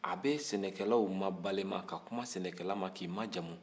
a bɛ sɛnɛkɛlaw ma balima ka kuma sɛnɛkɛla ma k'i ma jamu